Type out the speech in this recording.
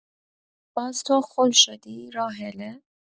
باز تو خل شدی راحله؟